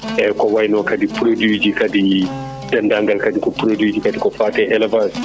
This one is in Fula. eyyi ko wayno kadi produit ji kadi deendaangal kadi ko produit ji kadi fo fate élevage